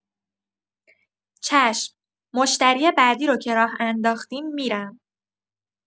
چشم، مشتری بعدی رو که راه انداختیم می‌رم.